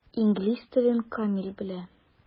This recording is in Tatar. Инглиз телен камил белә.